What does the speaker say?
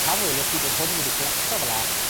pan welwch chi bod hwn wedi colapso fela,